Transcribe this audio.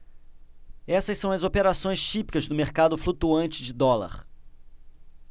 essas são as operações típicas do mercado flutuante de dólar